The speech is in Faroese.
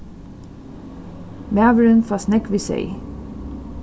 maðurin fæst nógv við seyð